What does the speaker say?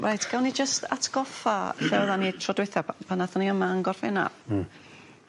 reit gawn ni jyst atgoffa fel o'n ni tro dwetha p- pan ddathon ni yma yn Gorffennaf. Hmm.